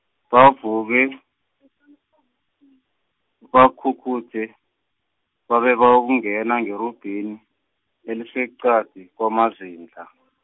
bavuke , bakhukhuthe, babe bebayokungena ngerubhini, eliseqadi kwamazindla .